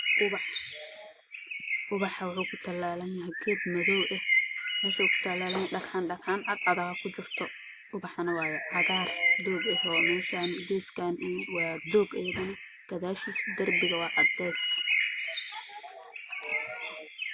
Mishaan waxaa ka muuqday darbi waxaa agtiisa ka baxaya ubax yar oo midabkiisu yahay cagaar oo qurxin